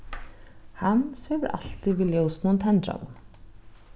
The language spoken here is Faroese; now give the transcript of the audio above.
hann svevur altíð við ljósinum tendraðum